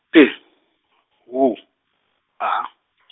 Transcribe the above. T, W, A .